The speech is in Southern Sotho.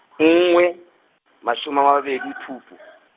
nngwe, mashome a mabedi, Phupu.